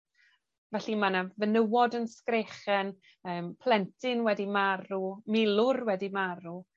Felly ma' 'na fenywod yn sgrechen yym plentyn wedi marw, milwr wedi marw.